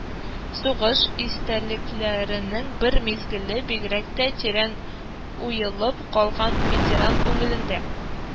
Сугыш истәлекләренең бер мизгеле бигрәк тә тирән уелып калган ветеран күңелендә